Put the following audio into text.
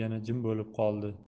yana jim bo'lib qoldi